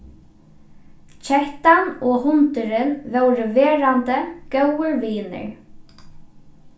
kettan og hundurin vórðu verandi góðir vinir